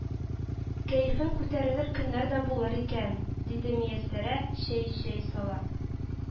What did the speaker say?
—кәефең күтәрелер көннәр дә булыр икән,—диде мияссәрә чәй чәй сала